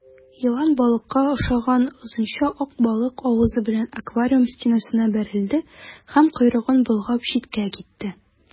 Елан балыкка охшаган озынча ак балык авызы белән аквариум стенасына бәрелде һәм, койрыгын болгап, читкә китте.